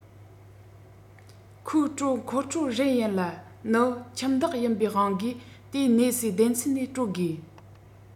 ཁོའི དྲོད མཁོ སྤྲོད རན ཡིན ལ ནི ཁྱིམ བདག ཡིན པའི དབང གིས དེ གནས སའི སྡེ ཚན ནས སྤྲོད དགོས